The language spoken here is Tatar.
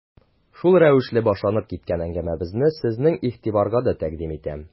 Шул рәвешле башланып киткән әңгәмәбезне сезнең игътибарга да тәкъдим итәм.